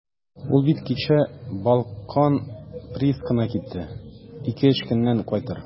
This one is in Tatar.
Ул бит кичә «Балкан» приискасына китте, ике-өч көннән кайтыр.